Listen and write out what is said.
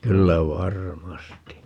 kyllä varmasti